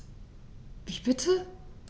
Wie bitte?